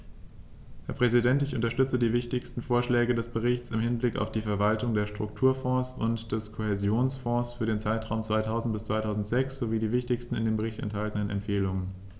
Herr Präsident, ich unterstütze die wichtigsten Vorschläge des Berichts im Hinblick auf die Verwaltung der Strukturfonds und des Kohäsionsfonds für den Zeitraum 2000-2006 sowie die wichtigsten in dem Bericht enthaltenen Empfehlungen.